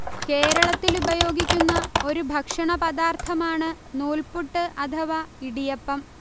കേരളത്തിലുപയോഗിക്കുന്ന ഒരു ഭക്ഷണപദാർത്ഥമാണ് നൂൽപുട്ട് അഥവാ ഇടിയപ്പം